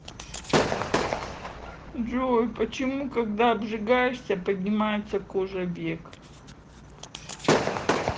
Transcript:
джой почему когда обжигаешься поднимается кожа век